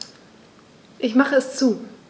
Ich mache es zu.